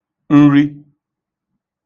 nri